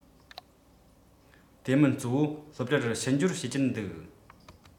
དེ མིན གཙོ བོ སློབ གྲྭར ཕྱི འབྱོར བྱེད ཀྱིན འདུག